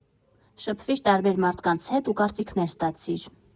Շփվիր տարբեր մարդկանց հետ ու կարծիքներ ստացիր։